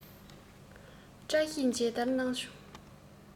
བཀྲ ཤིས མཇལ དར གནང བྱུང